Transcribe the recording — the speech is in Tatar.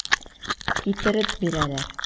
Китереп бирәләр.